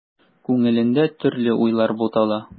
Күңелендә төрле уйлар бутала.